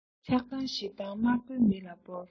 ཆགས སྡང ཞེ སྡང དམར པོའི མེ ལ སྤོར